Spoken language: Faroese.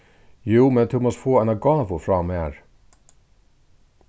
jú men tú mást fáa eina gávu frá mær